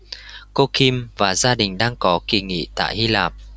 cô kim và gia đình đang có kỳ nghỉ tại hi lạp